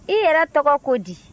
i yɛrɛ tɔgɔ ko di